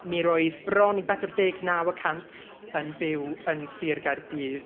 Mi roedd bron i bedwar deg naw yn byw yn Sir Gaerdydd.